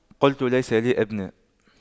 قلت ليس لي أبناء